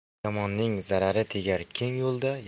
yomonning zarari tegar keng yo'lda